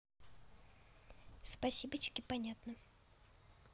спасибочки понятно